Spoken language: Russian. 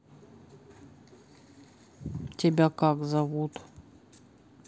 тебя как зовут